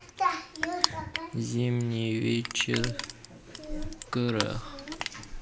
зимний вечер в гаграх